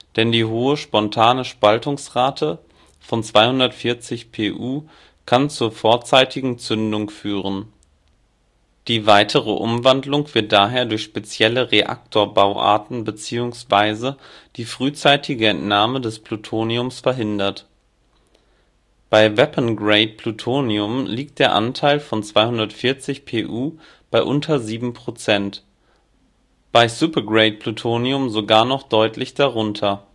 denn die hohe spontane Spaltungsrate von 240Pu kann zur vorzeitigen Zündung führen. Die weitere Umwandlung wird daher durch spezielle Reaktorbauarten beziehungsweise die frühzeitige Entnahme des Plutoniums verhindert. Bei weapon grade Plutonium liegt der Anteil von 240Pu bei unter 7 %, bei supergrade Plutonium sogar noch deutlich darunter